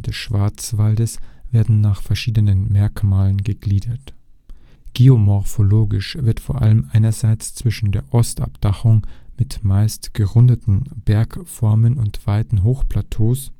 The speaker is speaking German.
Schwarzwaldes werden nach verschiedenen Merkmalen gegliedert: Geomorphologisch wird vor allem einerseits zwischen der Ostabdachung mit meist gerundeten Bergformen und weiten Hochplateaus